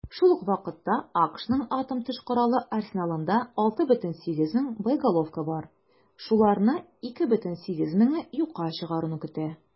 Шул ук вакытта АКШның атом төш коралы арсеналында 6,8 мең боеголовка бар, шуларны 2,8 меңе юкка чыгаруны көтә.